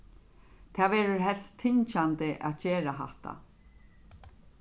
tað verður helst tyngjandi at gera hatta